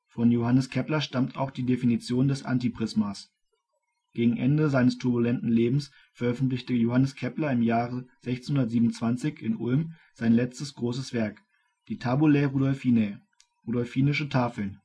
Von Johannes Kepler stammt auch die Definition des Antiprismas. Gegen Ende seines turbulenten Lebens veröffentlichte Johannes Kepler im Jahre 1627 in Ulm sein letztes großes Werk, die Tabulae Rudolfinae (Rudolfinische Tafeln